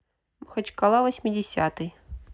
махачкала восьмидесятый